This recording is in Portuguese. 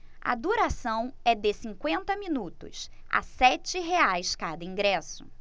a duração é de cinquenta minutos a sete reais cada ingresso